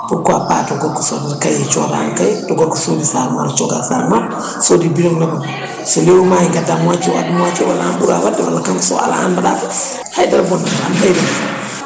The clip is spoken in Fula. pourquoi pas so gorko soodi cahier cooda cahier so soodi sac maaro cooda sac maaro soodi bidon nebam so lewru maayi gadda moitié o adda moitié walla an ɓuura wadde walla kanko so ala an mbaɗa haydara bonnata